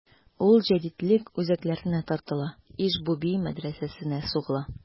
Ул җәдитлек үзәкләренә тартыла: Иж-буби мәдрәсәсенә сугыла.